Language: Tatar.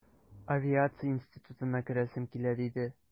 Авиация институтына керәсем килә, диде...